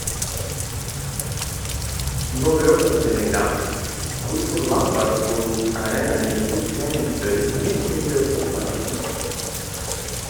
Nå røper Telegraph hvorfor Lampard forlot arenaen i fullt treningstøy midt under oppvarmingen.